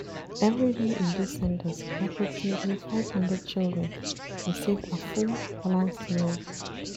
Every day in these centres approximately 500 children receive a full, balanced meal.